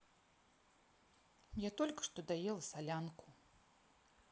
я только что доела солянку